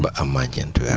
ba amaa ñeenti weer